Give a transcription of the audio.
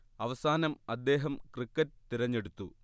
അവസാനം അദ്ദേഹം ക്രിക്കറ്റ് തിരെഞ്ഞെടുത്തു